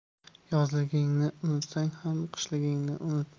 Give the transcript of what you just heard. yozligingni unutsang ham qishligingni unutma